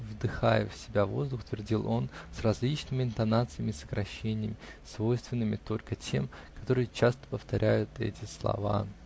-- вдыхая в себя воздух, твердил он, с различными интонациями и сокращениями, свойственными только тем, которые часто повторяют эти слова.